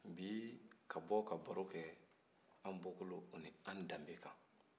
bi ka bɔ ka baro kɛ an bɔkolo an'an danbe kan